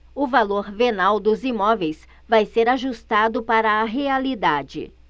o valor venal dos imóveis vai ser ajustado para a realidade